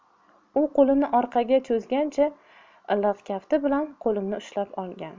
u qo'lini orqaga cho'zgancha iliq kafti bilan qo'limni ushlab olgan